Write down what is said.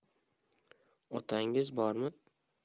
otangiz bormi